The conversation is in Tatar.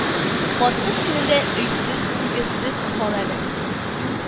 Картлык көнендә өйсез-нигезсез кал әле